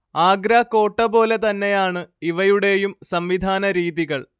ആഗ്രാകോട്ടപോലെ തന്നെയാണ് ഇവയുടെയും സംവിധാനരീതികൾ